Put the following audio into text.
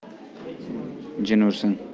jin ursin